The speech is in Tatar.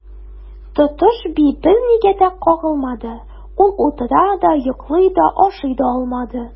Тотыш би бернигә дә кагылмады, ул утыра да, йоклый да, ашый да алмады.